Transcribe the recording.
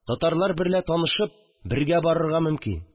Татарлар берлә танышып, бергә барырга мөмкин